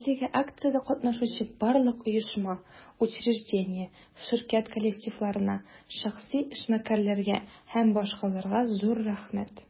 Әлеге акциядә катнашучы барлык оешма, учреждение, ширкәт коллективларына, шәхси эшмәкәрләргә һ.б. зур рәхмәт!